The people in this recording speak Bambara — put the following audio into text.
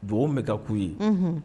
Dugaw min bɛ taa k'u ye, unhun